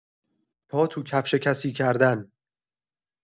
پا تو کفش کسی کردن